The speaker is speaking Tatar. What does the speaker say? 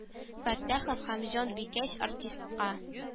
Фәттахов һәм җанбикәч артистка